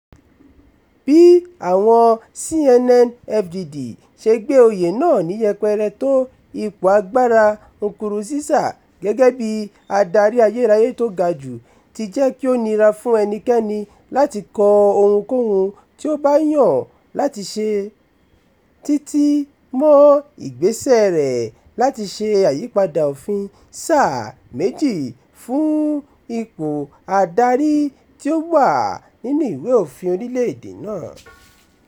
Bí àwọn CNN-FDD ṣe gbé oyè náà ní yẹpẹrẹ tó ipò agbára Nkurunziza gẹ́gẹ́ bí "adarí ayérayé tó ga jù" ti jẹ́ kí ó nira fún ẹnikẹ́ni láti kọ ohunkóhun tí ó bá yàn láti ṣe, títí mọ́ ìgbésẹ̀ rẹ̀ láti ṣe àyípadà òfin sáà méjì fún ipò adarí tí ó wà nínú ìwé òfin orílẹ̀-èdè náà.